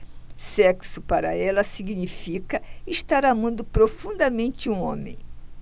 sexo para ela significa estar amando profundamente um homem